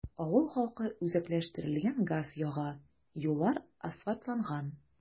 Авыл халкы үзәкләштерелгән газ яга, юллар асфальтланган.